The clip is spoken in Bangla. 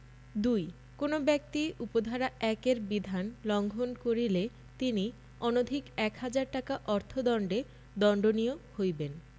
২ কোন ব্যক্তি উপ ধারা ১ এর বিধান লংঘন করিলে তিনি অনধিক এক হাজার টাকা অর্থ দন্ডে দন্ডনীয় হইবেন